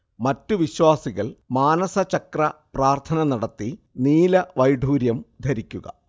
മറ്റു വിശ്വാസികൾ മാനസചക്ര പ്രാർത്ഥന നടത്തി നീലവൈഢൂര്യം ധരിക്കുക